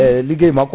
e ligguey makko